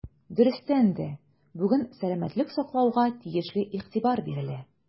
Дөрестән дә, бүген сәламәтлек саклауга тиешле игътибар бирелә.